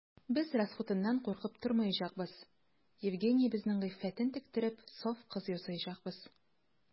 Без расхутыннан куркып тормаячакбыз: Евгениябезнең гыйффәтен тектереп, саф кыз ясаячакбыз.